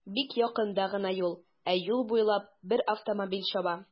Бик якында гына юл, ә юл буйлап бер автомобиль чаба.